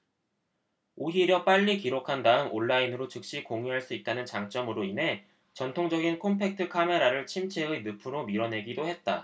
오히려 빨리 기록한 다음 온라인으로 즉시 공유할 수 있다는 장점으로 인해 전통적인 콤팩트 카메라를 침체의 늪으로 밀어내기도 했다